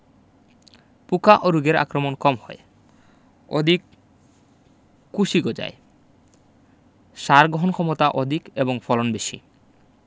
পুকা ও রুগের আক্রমণ কম হয় অধিক কুশি গজায় সার গহণক্ষমতা অধিক এবং ফলন বেশি